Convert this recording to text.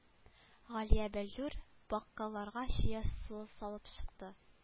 Галия бәллүр бокалларга чия суы салып чыкты